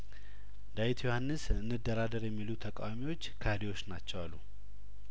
ዳዊት ዮሀንስ እንደራደር የሚሉ ተቃዋሚዎች ከሀዲዎች ናቸው አሉ